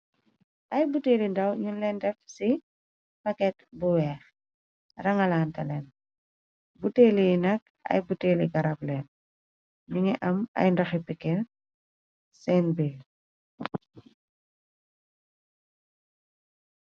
Ay buteeli ndaw ñun leen def ci paket bu weex rangalaanteleen buteeli yi nak ay buteeli garab len ñi ngi am ay ndoxi piker seenbir.